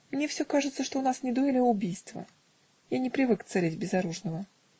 Мне все кажется, что у нас не дуэль, а убийство: я не привык целить в безоружного.